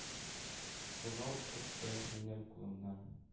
Богау кысты минем кулымнан.